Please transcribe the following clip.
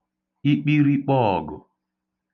ikpirikpọọ̀gụ̀